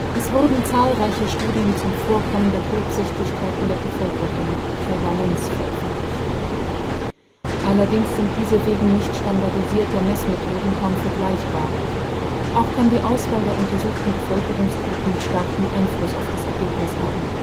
Es wurden zahlreiche Studien zum Vorkommen der Kurzsichtigkeit in der Bevölkerung (Prävalenz) veröffentlicht. Allerdings sind diese wegen nicht standardisierter Messmethoden kaum vergleichbar, auch kann die Auswahl der untersuchten Bevölkerungsgruppen starken Einfluss auf das Ergebnis haben